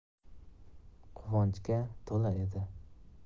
quvonchga to'la edi